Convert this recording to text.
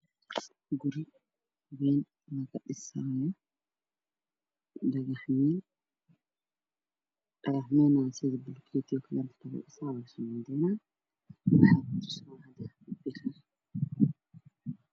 Guri ladhisaayo dhagaxmin sida bulukeeti camal lugu dhisay kalarkiisu waa cadaan iyo qaxwi.